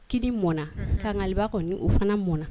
Kini mɔnna kagaliba kɔni o fana mɔnna.